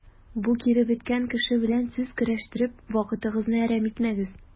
Бу киребеткән кеше белән сүз көрәштереп вакытыгызны әрәм итмәгез.